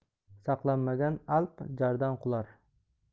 saqlanmagan alp jardan qular